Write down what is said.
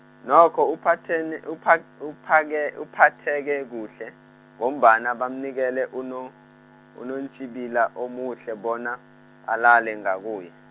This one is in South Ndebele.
nokho uphathene- upha- uphake- uphatheke kuhle, ngombana bamnikela uno- unontjhibila omuhle bona, alale ngakuye.